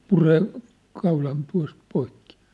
puree kaulan tuosta poikki